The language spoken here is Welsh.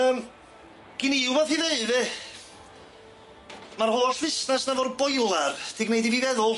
Yym gin i wbath i ddeud fyd yy ma'r holl fusnas na fo'r boiler di gneud i fi feddwl.